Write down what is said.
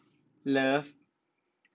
เลิฟ